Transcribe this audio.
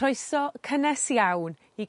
croeso cynnes iawn i...